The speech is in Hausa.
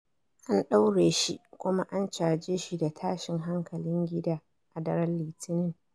An ɗaure shi kuma an caje shi da tashin hankalin gida a daren Litinin